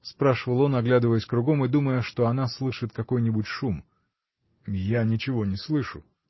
— спрашивал он, оглядываясь кругом и думая, что она слышит какой-нибудь шум. — Я ничего не слышу.